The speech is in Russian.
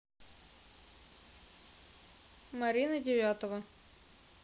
марина девятова